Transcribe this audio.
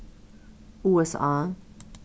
usa